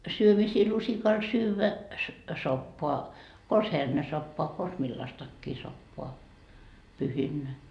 syömisiä lusikalla syödä soppaa konsa hernesoppaa konsa millaistakin soppaa pyhinä